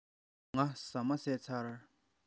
དམིགས བསལ གྱི དགོས པ མིན འདུག